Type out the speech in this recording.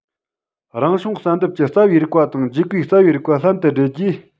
རང བྱུང བསལ འདེམས ཀྱི རྩ བའི རིགས པ དང འཇིག པའི རྩ བའི རིགས པ ལྷན ཏུ སྦྲེལ རྗེས